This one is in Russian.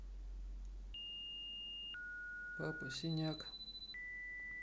папа синяк